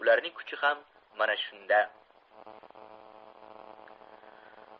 ularning kuchi ham mana shunda